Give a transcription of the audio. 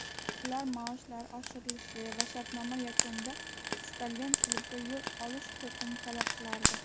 ular maoshlari oshirilishi va shartnoma yakunida istalgan klubga yo'l olish huquqini talab qilardi